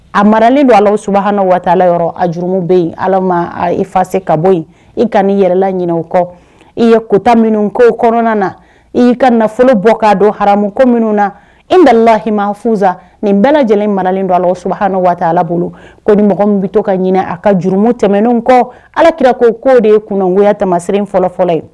A maralen don ala su haunala yɔrɔ a juruumu bɛ yen ala mafase ka bɔ yen i ka' yɛrɛla ɲin o kɔ i ye kota minnu ko kɔnɔna na i y'i ka nafolo bɔ k'a don hamuko minnu na ilahima fusa nin bɛɛ lajɛlen mararen don su hauna ala bolo ko ni mɔgɔ min bɛ to ka ɲinin a ka juruumu tɛmɛnen kɔ ala kirara ko koo de ye kungoya tama se fɔlɔ fɔlɔ ye